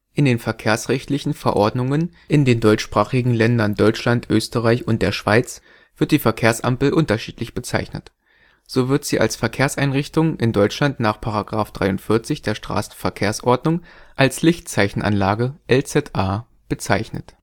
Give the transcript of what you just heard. In den verkehrsrechtlichen Verordnungen in den deutschsprachigen Ländern Deutschland, Österreich und der Schweiz wird die Verkehrsampel unterschiedlich bezeichnet. So wird sie als Verkehrseinrichtung in Deutschland nach § 43 der Straßenverkehrsordnung (StVO) als Lichtzeichenanlage (LZA) bezeichnet